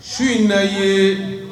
Si in na ye